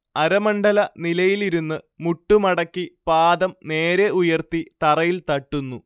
അരമണ്ഡല നിലയിലിരുന്ന് മുട്ട് മടക്കി പാദം നേരെ ഉയർത്തി തറയിൽ തട്ടുന്നു